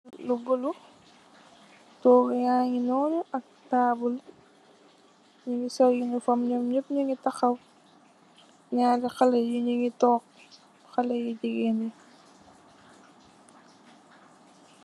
Lou bollou togou yage nonou ak tabol nougui sol uniform nyom nyep nougui tahaw nyarri kalle you nougui teggou kalle ye jegueen yi.